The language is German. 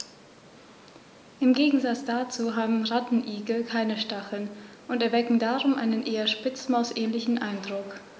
Im Gegensatz dazu haben Rattenigel keine Stacheln und erwecken darum einen eher Spitzmaus-ähnlichen Eindruck.